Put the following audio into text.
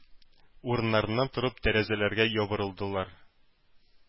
Урыннарыннан торып, тәрәзәләргә ябырылдылар.